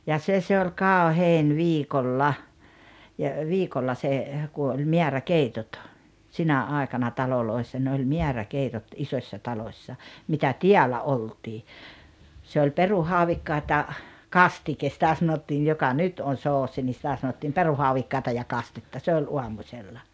ja se se oli kauhein viikolla ja viikolla se kun oli määräkeitot sinä aikana taloissa ne oli määräkeitot isossa talossa mitä täällä oltiin se oli perunahaudikkaat ja kastike sitä sanottiin joka nyt on soosi niin sitä sanottiin perunahaudikkaita ja kastetta se oli aamusella